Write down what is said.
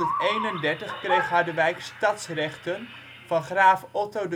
In 1231 kreeg Harderwijk stadsrechten van Graaf Otto